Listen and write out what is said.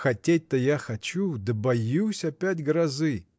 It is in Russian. — Хотеть-то я хочу, да боюсь опять грозы.